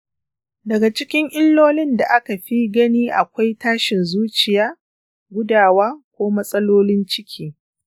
daga cikin illolin da aka fi gani akwai tashin zuciya, gudawa, ko matsalolin ciki.